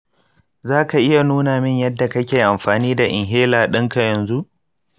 za ka iya nuna min yadda kake amfani da inhaler ɗinka yanzu?